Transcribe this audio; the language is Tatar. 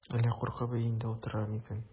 Әллә куркып өендә утырамы икән?